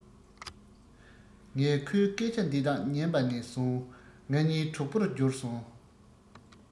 ངས ཁོའི སྐད ཆ འདི དག ཉན པ ནས བཟུང ང གཉིས གྲོགས པོར གྱུར སོང